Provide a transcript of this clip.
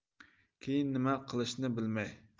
keyin nima qilishni bilmay